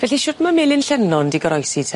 Felly shwd ma' Melin Llynon 'di goroesi te?